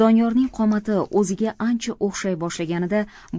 doniyorning qomati o'ziga ancha o'xshay boshlaganida